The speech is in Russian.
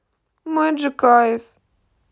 меджик айз